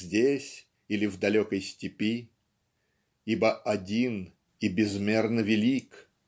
здесь или в далекой степи Ибо один и безмерно велик